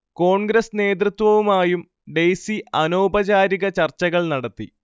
കോൺഗ്രസ് നേതൃത്വവുമായും ഡെയ്സി അനൗപചാരിക ചർച്ചകൾ നടത്തി